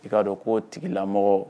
I'a dɔn ko tigilamɔgɔ